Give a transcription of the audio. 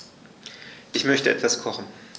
Ich möchte etwas kochen.